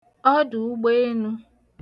ọdụ̀ụgbeenū